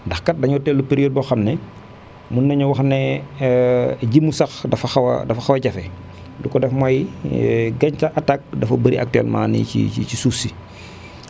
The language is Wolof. ndax kat dañoo toll période boo xam ne mun nañoo wax ne ji mu sax dafa xaw a dafa xaw a jaf li ko def mooy gàncax attaque dafa bëri actuellement nii si si suuf si